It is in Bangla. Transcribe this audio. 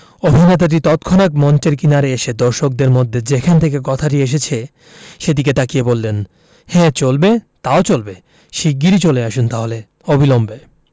অভিনেতাটি তৎক্ষনাত মঞ্চের কিনারে এসে দর্শকদের মধ্যে যেখান থেকে কথাটা এসেছে সেদিকে তাকিয়ে বললেন হ্যাঁ চলবে তাও চলবে শিগগির চলে আসুন তাহলে অবিলম্বে